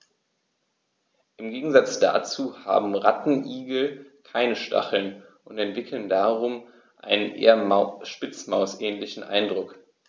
Im Gegensatz dazu haben Rattenigel keine Stacheln und erwecken darum einen eher Spitzmaus-ähnlichen Eindruck.